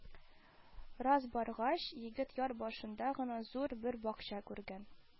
Раз баргач, егет яр башында гына зур бер бакча күргән